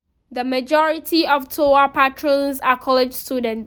The majority of tour patrons are college students.